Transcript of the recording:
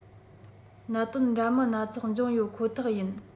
གནད དོན འདྲ མིན སྣ ཚོགས འབྱུང ཡོད ཁོ ཐག ཡིན